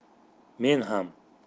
men ham